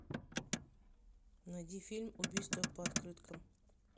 найди фильм убийства по открыткам